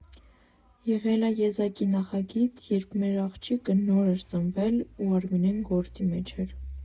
Եղել ա եզակի նախագիծ, երբ մեր աղջիկը նոր էր ծնվել ու Արմինեն գործի մեջ չէր։